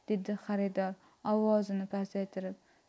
dedi xaridor ovozini pasaytirib